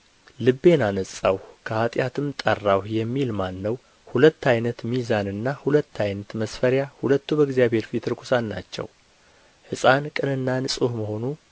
ልቤን አነጻሁ ከኃጢአትም ጠራሁ የሚል ማን ነው ሁለት ዓይነት ሚዛንና ሁለት ዓይነት መስፈሪያ ሁለቱ በእግዚአብሔር ፊት ርኩሳን ናቸው ሕፃን ቅንና ንጹሕ መሆኑ